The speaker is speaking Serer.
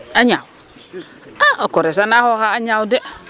A ñaaw a o kores a naa xooxaa a ñaaw de